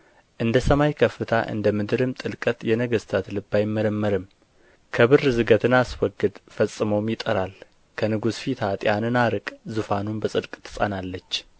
እንደ ሰማይ ከፍታ እንደ ምድርም ጥልቀት የነገሥታት ልብ አይመረመርም ከብር ዝገትን አስወግድ ፈጽሞም ይጠራል ከንጉሥ ፊት ኀጥኣንን አርቅ ዙፋኑም በጽድቅ ትጸናለች